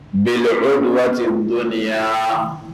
Bili koudou wati douniya